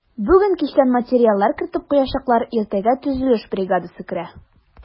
Бүген кичтән материаллар кертеп куячаклар, иртәгә төзелеш бригадасы керә.